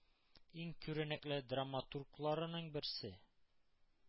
Иң күренекле драматургларының берсе.